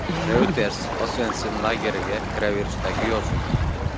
reuters osvensim lageriga kiraverishdagi yozuv